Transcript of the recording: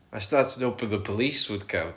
I started hoping the police would come